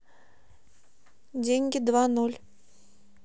деньги два ноль